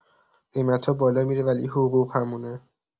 قیمت‌ها بالا می‌ره ولی حقوق همونه.